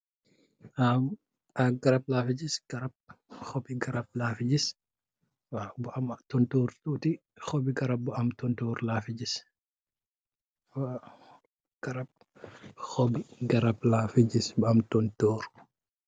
Ahm aiiy garab lafi gis garab, hohbbi garab lafi gis waw bu amak tohntorr tuti, hohbbi garab bu am tohntorre lafi gis, waa garab, hohbbi garab lafi gis bu am tohntorre.